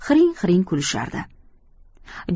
hiring hiring kulishardi